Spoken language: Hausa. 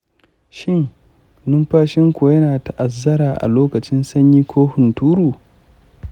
shin, numfashin ku yana ta'azzara a lokacin sanyin hunturu?